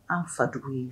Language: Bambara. An fa jugu ye